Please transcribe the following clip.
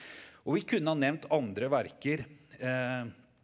og vi kunne ha nevnt andre verker .